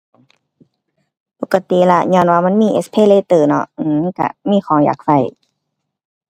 ปกติล่ะ ญ้อนว่ามันมี SPayLater เนาะ อื้อ มันก็มีของอยากก็